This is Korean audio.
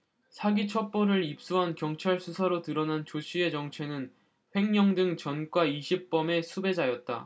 사기 첩보를 입수한 경찰 수사로 드러난 조씨의 정체는 횡령 등 전과 이십 범의 수배자였다